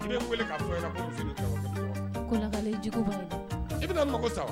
I be n wele ka fɔ n ɲɛna ko n muso ni cɛ wɛrɛ bi ɲɔgɔn fɛ. I bi na n mago sa wa ?